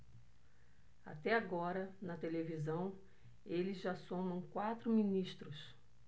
até agora na televisão eles já somam quatro ministros